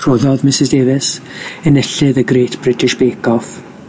Rhoddodd Mrs Davies, enillydd y Great British Bake Off